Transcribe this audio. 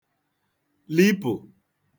lipụ̀